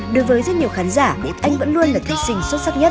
đối với rất nhiều khán giả anh vẫn luôn là thí sinh xuất sắc nhất